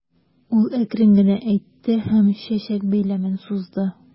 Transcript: Ул әкрен генә әйтте һәм чәчәк бәйләмен сузды.